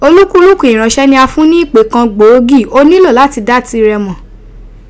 Olukuluku iranse ni a fun ni ipe kan gboogi, o nilo lati da tire mo.